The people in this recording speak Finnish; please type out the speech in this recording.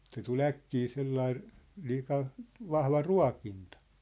se tuli äkkiä sellainen liika vahva ruokinta